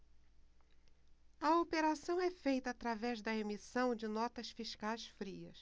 a operação é feita através da emissão de notas fiscais frias